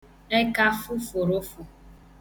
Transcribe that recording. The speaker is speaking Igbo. ekafụfụ̀rụfụ̀